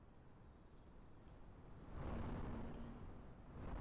козел и баран